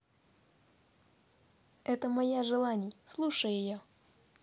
это моя желаний слушаю ее